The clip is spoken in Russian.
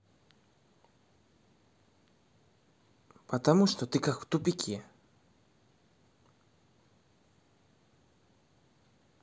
потому что ты так в тупике